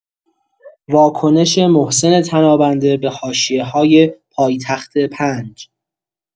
واکنش محسن تنابنده به حاشیه‌های «پایتخت۵»